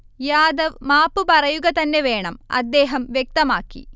യാദവ് മാപ്പ് പറയുക തന്നെ വേണം, അദ്ദേഹം വ്യക്തമാക്കി